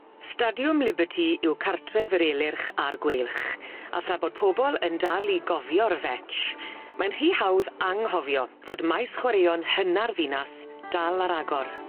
Stadiwm Liberty yw cartref yr elyrch a'r gweilch a thra bod pobol yn dal i gofio'r Vetch mae'n rhy hawdd anghofio fod maes chwaraeon hynna'r ddinas dal ar agor.